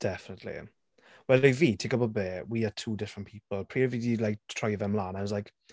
Definitely. Wel i fi, ti'n gwybod be we are two different people. Pryd o fi 'di like t- troi fe ymlaen I was like...